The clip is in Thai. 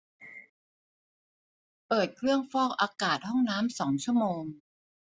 เปิดเครื่องฟอกอากาศห้องน้ำสองชั่วโมง